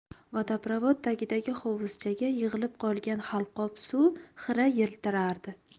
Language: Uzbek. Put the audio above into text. vadaprovod tagidagi hovuzchaga yig'ilib qolgan halqob suv xira yiltirardi